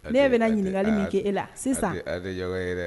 Ne bɛna ɲininkakali min kɛ e la sisan